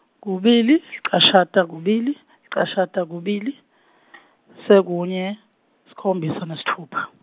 kubili, licashata, kubili, licashata, kubili , sekunye, sikhombisa, nesitfupha.